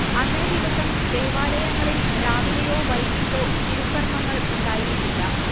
അന്നേ ദിവസം ദേവാലയങ്ങളിൽ രാവിലെയോ വൈകീട്ടോ തിരുക്കർമ്മങ്ങൾ ഉണ്ടായിരിക്കില്ല